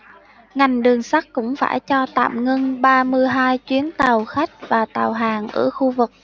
ngành đường sắt cũng phải cho tạm ngưng ba mươi hai chuyến tàu khách và tàu hàng ở khu vực